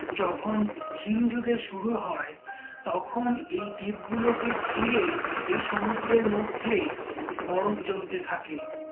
যখন হিম যুগের শুরু হয় তখন এই দ্বীপগুলো কে ঘিরে এই সমুদ্রের মধ্যে বরফ জমতে থাকে